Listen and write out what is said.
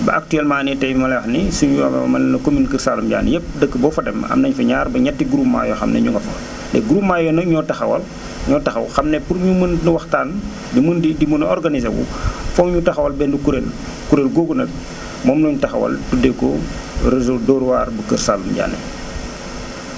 ba actuellement nii tey ma lay wax nii si yoonu mel ni commune nu kër Saalum Diané yëpp dëkk boo fa dem am nañ fa ñaar ba ñetti groupements yoo xam ne ñu nga fa léegi groupement yooyu nag ñoo taxawal ñoo taxaw xam ne pour ñu mën a waxtaan di mën di mën a organisé wu foog ñu taxawal benn kuréel kuréel googu nag moom lañ taxawal tuddee ko réseau Dóor waar bu kër Saalum Diané